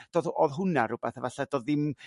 do'dd... O'dd hwnna r'wbath efalla' do'dd ddim